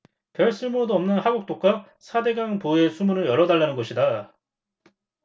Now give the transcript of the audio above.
별 쓸모도 없는 하굿둑과 사 대강 보의 수문을 열어달라는 것이다